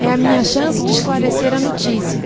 é a minha chance de esclarecer a notícia